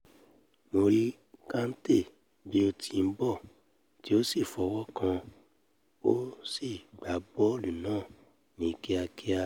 Mo rí Kante bí ó ti ń bọ̀ tí ó sì fọwọ́kàn ó sì gbà bọ́ọ̀lù náà ní kíakíá.''